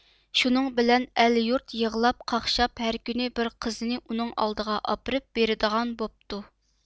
شۇنىڭ بىلەن ئەل يۇرت يىغلاپ قاخشاپ ھەر كۈنى بىر قىزنى ئۇنىڭ ئالدىغا ئاپىرىپ بېرىدىغان بوپتۇ